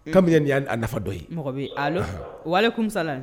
Kamalenmi ni nafa dɔ ye mɔgɔ ala wa kunmisala